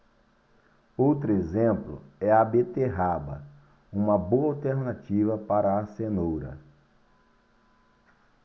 outro exemplo é a beterraba uma boa alternativa para a cenoura